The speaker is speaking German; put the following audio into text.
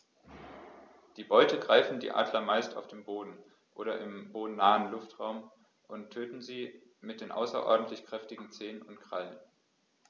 Die Beute greifen die Adler meist auf dem Boden oder im bodennahen Luftraum und töten sie mit den außerordentlich kräftigen Zehen und Krallen.